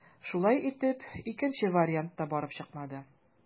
Шулай итеп, икенче вариант та барып чыкмады.